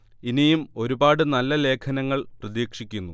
ഇനിയും ഒരുപാട് നല്ല ലേഖനങ്ങൾ പ്രതീക്ഷിക്കുന്നു